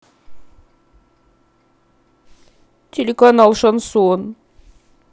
телеканал шансон